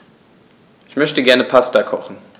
Ich möchte gerne Pasta kochen.